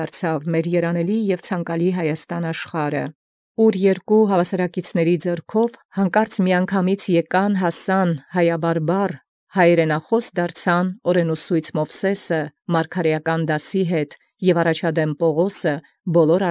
Յայնմ ժամանակի երանելի և ցանկալի աշխարհս Հայոց անպայման սքանչելի լինէր. յորում յանկարծ ուրեմն աւրէնսուսոյց Մովսէս՝ մարգարէական դասուն, և յառաջադէմն Պաւղոս՝ բովանդակ։